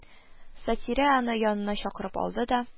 Сатирә аны янына чакырып алды да: